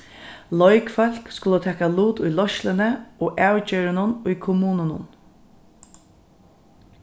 leikfólk skulu taka lut í leiðsluni og avgerðunum í kommununum